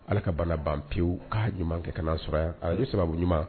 Ala ka bana ban pewu k' ɲuman kɛ ka sɔrɔ yan o sababu ɲuman